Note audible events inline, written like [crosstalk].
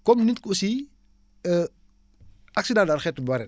comme nit aussi [hesitation] accident daal xeet yi bari na